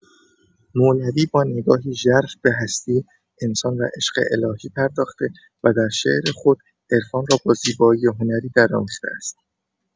مولوی با نگاهی ژرف به هستی، انسان و عشق الهی پرداخته و در شعر خود عرفان را با زیبایی هنری درآمیخته است.